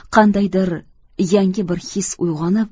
qandaydir yangi bir his uyg'onib